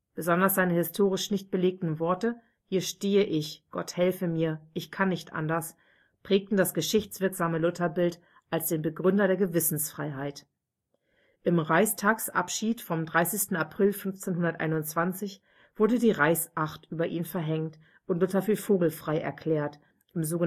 Besonders seine historisch nicht belegten Worte „ Hier stehe ich. Gott helfe mir. Ich kann nicht anders “prägten das geschichtswirksame Lutherbild als den Begründer der Gewissensfreiheit. Im Reichstagsabschied vom 30. April 1521 wurde die Reichsacht über ihn verhängt und Luther für vogelfrei erklärt (Wormser